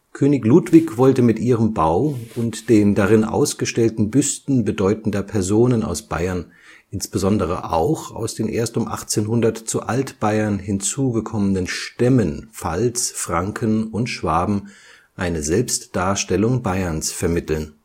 König Ludwig wollte mit ihrem Bau und den darin ausgestellten Büsten bedeutender Personen aus Bayern – insbesondere auch aus den erst um 1800 zu Altbayern hinzugekommenen „ Stämmen “Pfalz, Franken und Schwaben – eine Selbstdarstellung Bayerns vermitteln